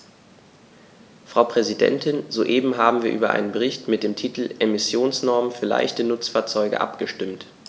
Frau Präsidentin, soeben haben wir über einen Bericht mit dem Titel "Emissionsnormen für leichte Nutzfahrzeuge" abgestimmt.